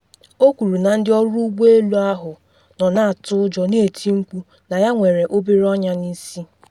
O kwuru na ndị ọrụ ụgbọ elu ahụ nọ na atụ ụjọ na eti mkpu, na ya nwere obere ọnya n’isi.